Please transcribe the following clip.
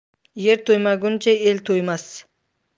yer to'ymaguncha el to'ymas